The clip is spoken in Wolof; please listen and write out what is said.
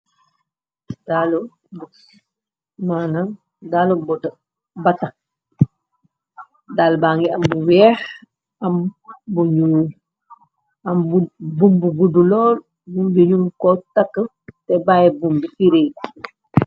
Dalu box manaam dalubata dala ba ngi am lu weex am bu nyull am bu bumbu guddu lool bumbi ñu ko takk te bayy bumbi fi rée ku.